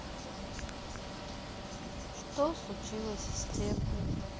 что случилось с теплой